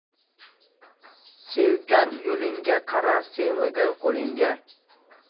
sevgan yo'lingga qarar sevmagan qo'lingga